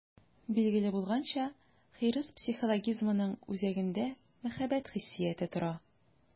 Билгеле булганча, хирыс психологизмының үзәгендә мәхәббәт хиссияте тора.